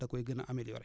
da koy gën a améliorer